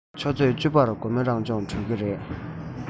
ཆུ ཚོད བཅུ པར དགོང མོའི རང སྦྱོང གྲོལ གྱི རེད